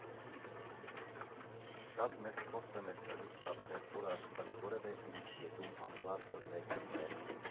Շատ մեծ փորձ եմ էստեղից ստացել, որը աշխարհի որևէ ուրիշ կետում անհնար կլիներ գտնել։